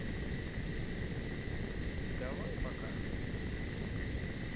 давай пока